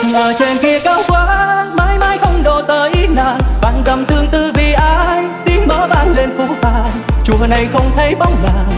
phật ở trên kia cao quá mãi mãi không độ tới nàng vạn dặm tương tư vì ai tiếng mõ vang lên phũ phàng chùa này không thấy bóng nàng